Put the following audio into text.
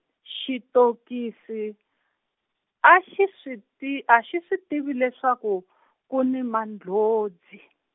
Xitokisi, a xi swi ti, a xi swi tivi leswaku , ku ni mandlhozi.